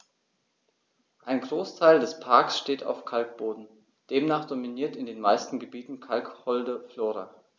Ein Großteil des Parks steht auf Kalkboden, demnach dominiert in den meisten Gebieten kalkholde Flora.